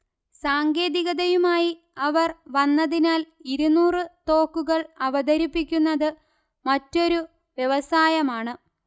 സാങ്കേതികതയുമായി അവർ വന്നതിനാൽ ഇരുന്നൂറ് തോക്കുകൾ അവതരിപ്പിക്കുന്നത് മറ്റൊരു വ്യവസായമാണ്